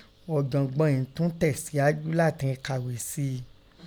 Ọjọgbọn ìn tun tẹ siaju latin kaghe sii.